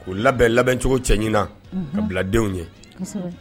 O labɛn labɛncogo cɛɲan ka biladenw ye